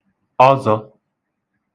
ọzọ̄